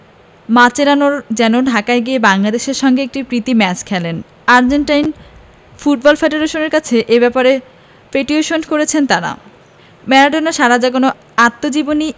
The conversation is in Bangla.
মাচেরানোরা যেন ঢাকায় গিয়ে বাংলাদেশের সঙ্গে একটি প্রীতি ম্যাচ খেলেন আর্জেন্টাইন ফুটবল ফেডারেশনের কাছে এ ব্যাপারে পিটিশনও করেছেন তাঁরা ম্যারাডোনার সাড়া জাগানো আত্মজীবনী